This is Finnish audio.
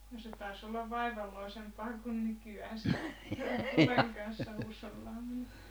no se taisi olla vaivalloisempaa kuin nykyään se tulen kanssa huushollaaminen